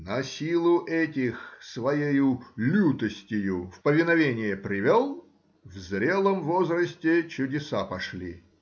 Насилу этих своею лютостию в повиновение привел, в зрелом возрасте чудеса пошли